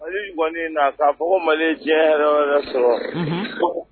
Haliwan nasa ko mali diɲɛ yɛrɛ sɔrɔ